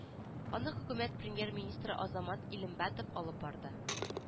Аны хөкүмәт премьер-министры азамат илембәтов алып барды